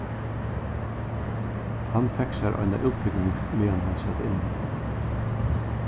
hann fekk sær eina útbúgving meðan hann sat inni